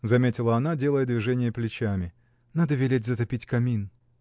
— заметила она, делая движение плечами, — надо велеть затопить камин.